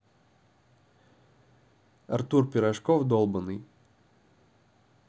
артур пирожков долбанный